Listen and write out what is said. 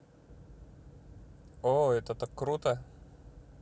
о это так круто